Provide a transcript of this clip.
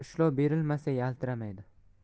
ishlov berilmasa yaltiramaydi